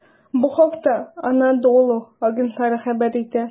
Бу хакта "Анадолу" агентлыгы хәбәр итә.